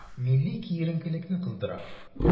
Милли киеренкелекне кыздыра.